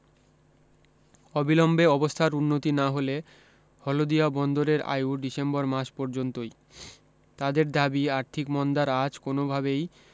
অবিলম্বে অবস্থার উন্নতি না হলে হলদিয়া বন্দরের আয়ু ডিসেম্বর মাস পর্যন্তই তাদের দাবি আর্থিক মন্দার আঁচ কোনওভাবেই